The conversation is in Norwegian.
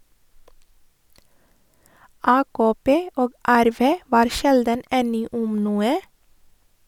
AKP og RV var sjelden enig om noe.